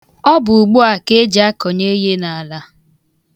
Ọ bụ ugbua ka eji akọnye ihe n'ala.